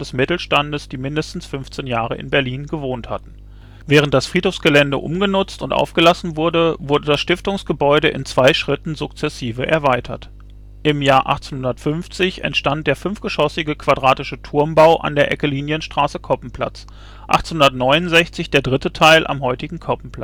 Mittelstandes, die mindestens 15 Jahre in Berlin gewohnt hatten. Während das Friedhofsgelände umgenutzt und aufgelassen wurde, wurde das Stiftungsgebäude in zwei Schritten sukzessive erweitert. Im Jahr 1850 entstand der fünfgeschossige, quadratische Turmbau an der Ecke Linienstraße/Koppenplatz, 1869 der dritte Teil am heutigen